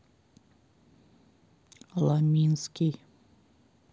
ламинский